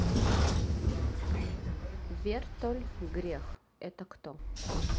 вертоль грех это кто